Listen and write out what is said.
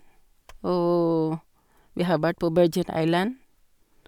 Og vi har vært på Virgin Island.